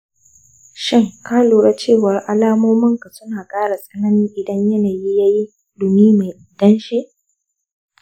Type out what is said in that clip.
shin ka lura cewa alamominka suna ƙara tsanani idan yanayi ya yi ɗumi mai danshi?